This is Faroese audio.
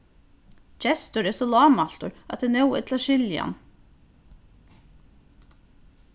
gestur er so lágmæltur at eg nóg illa skilji hann